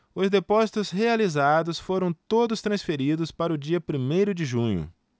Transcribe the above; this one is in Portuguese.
os depósitos realizados foram todos transferidos para o dia primeiro de junho